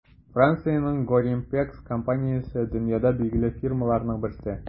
Франциянең Gorimpex компаниясе - дөньяда билгеле фирмаларның берсе.